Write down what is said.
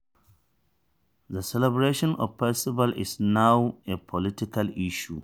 The celebration of festivals is now a political issue.